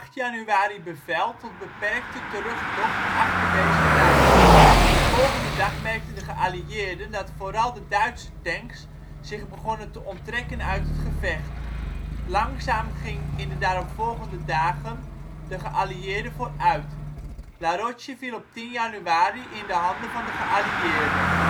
januari bevel tot beperkte terugtocht achter deze lijn. De volgende dag merkten de geallieerden dat vooral de Duitse tanks zich begonnen te onttrekken uit het gevecht. Langzaam gingen in de daaropvolgende dagen de geallieerden vooruit. La Roche viel op 10 januari in de handen van de geallieerden